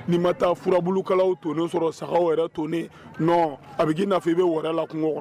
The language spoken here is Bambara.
N'i ma taa furabukalaw tonen sɔrɔ saga yɛrɛ tonen a bɛ'i nafa i bɛ wɛrɛ la kungo